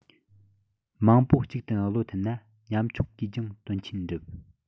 མང པོ གཅིག ཏུ བློ མཐུན ན ཉམ ཆུང གིས ཀྱང དོན ཆེན འགྲུབ